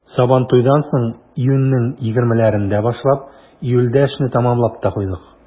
Сабантуйдан соң, июньнең 20-ләрендә башлап, июльдә эшне тәмамлап та куйдык.